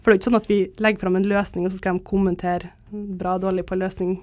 for det er jo ikke sånn at vi legger fram en løsning og så skal dem kommentere bra dårlig på løsning.